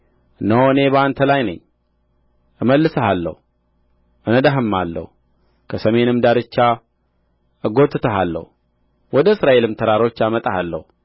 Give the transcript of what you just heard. እነሆ እኔ በአንተ ላይ ነኝ እመልስሃለሁ እነዳህማለሁ ከሰሜንም ዳርቻ እጐትትሃለሁ ወደ እስራኤልም ተራሮች አመጣሃለሁ